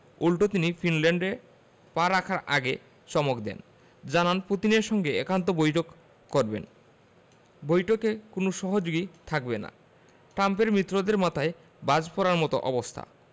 উল্টো তিনি ফিনল্যান্ডে পা রাখার আগে চমক দেন জানান পুতিনের সঙ্গে একান্ত বৈঠক করবেন বৈঠকে কোনো সহযোগী থাকবেন না ট্রাম্পের মিত্রদের মাথায় বাজ পড়ার মতো অবস্থা